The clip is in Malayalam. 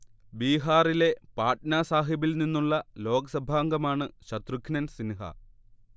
ബീഹാറിലെ പാട്ന സാഹിബിൽ നിന്നുള്ള ലോക്സഭാംഗമാണ് ശത്രുഘ്നൻ സിൻഹ